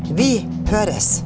vi høyrest.